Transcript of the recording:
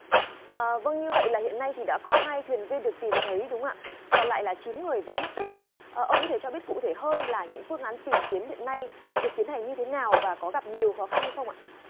ờ vâng như vậy là hiện nay thì đã có hai thuyền viên được tìm thấy đúng ạ còn lại là chín người vẫn mất tích ông có thể cho biết cụ thể hơn là những phương án tìm kiếm hiện nay được tiến hành như thế nào và có gặp nhiều khó khăn nên không ạ